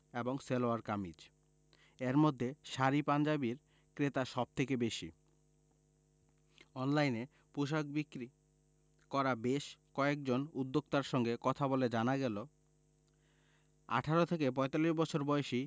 এবং সালোয়ার কামিজ এর মধ্যে শাড়ি পাঞ্জাবির ক্রেতা সব থেকে বেশি অনলাইনে পোশাক বিক্রি করা বেশ কয়েকজন উদ্যোক্তার সঙ্গে কথা বলে জানা গেল ১৮ থেকে ৪৫ বছর বয়সী